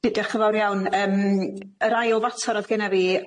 D- Diolch yn fawr iawn yym yr ail fatar o'dd genna fi